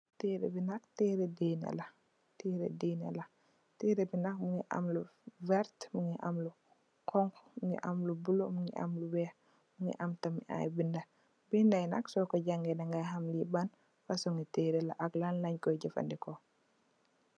Tehreh bii nak tehreh dineh la, tehreh dineh la, tehreh bii nak mungy am lu vertue, mungy am lu khonku, mungy am lu bleu, mungy am lu wekh, mungy am tamit aiiy binda, binda yii nak sor kor jangeh da ngai ham lii ban fasoni tehreh la ak lan langh koi jeufandehkor.